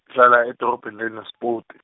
ngihlala edorobheni leNaspoti.